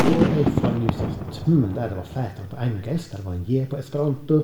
Og jeg fant ut at, hm, der det var flertall på engelsk, der var en j på esperanto.